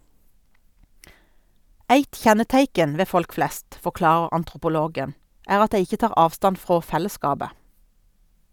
Eit kjenneteikn ved folk flest, forklarer antropologen, er at dei ikkje tar avstand frå fellesskapet.